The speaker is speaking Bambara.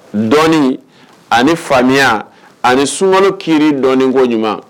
Dɔɔni ani faamuya ani sunkalo kiri dɔɔni ko ɲuman.